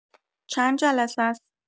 چن جلسس؟